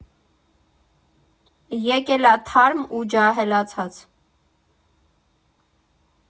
Եկել ա թարմ ու ջահելացած։